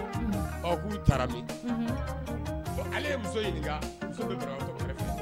K'u taara min ale ye muso ɲininka